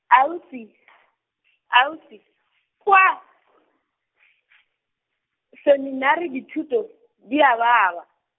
ausi , Albi, kua, seminari dithuto, di a baba.